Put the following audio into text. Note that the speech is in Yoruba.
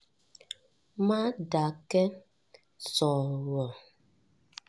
Má dakẹ́ – sọ̀rọ̀.